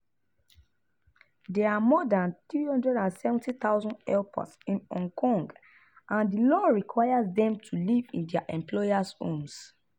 There are more than 370,000 helpers in Hong Kong and the law requires them to live in their employers’ homes.